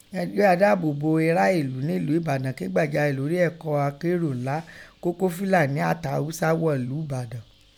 Ẹgbẹ́ Adáàbòbo irá èlú nẹ́lùú Ẹ̀badan ke gbàjarè lórí ọkọ̀ akérù ńlá kó kó Fílàní atẹ Hausa ghọ̀lú Ẹ̀badan